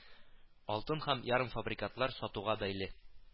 Алтын һәм ярымфабрикатлар сатуга бәйле